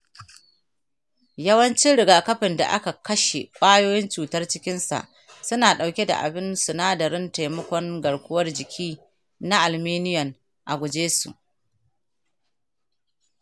yawancin rigakafin da aka kashe ƙwayoyin cutar cikinsa suna ɗauke da abin sinadaran taimakon garkuwar jiki na alminiyom. a guje su